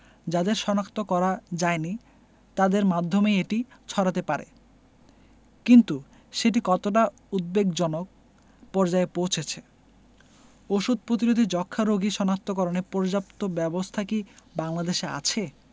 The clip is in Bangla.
যাদের শনাক্ত করা যায়নি তাদের মাধ্যমেই এটি ছড়াতে পারে কিন্তু সেটি কতটা উদ্বেগজনক পর্যায়ে পৌঁছেছে ওষুধ প্রতিরোধী যক্ষ্মা রোগী শনাক্তকরণে পর্যাপ্ত ব্যবস্থা কি বাংলাদেশে আছে